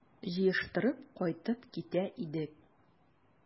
Җыештырып кайтып китә идек...